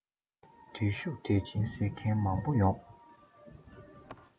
འདིར བཞུགས འདིར འབྱོན ཟེར མཁན མང པོ ཡོང